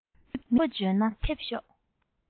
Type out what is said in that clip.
མི ཕོ འཇོན ན ཕེབས ཤོག